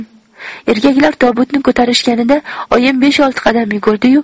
erkaklar tobutni ko'tarishganida oyim besh olti qadam yugurdi yu